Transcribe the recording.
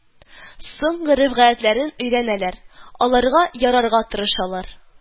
Соң гореф-гадәтләрен өйрәнәләр, аларга ярарга тырышалар